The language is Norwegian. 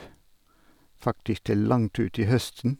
Faktisk til langt ut i høsten.